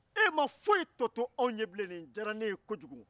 e ma foyi tɔ to anw ye bilen